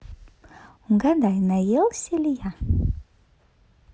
угадай наелся ли я